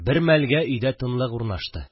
Бер мәлгә өйдә тынлык урнашты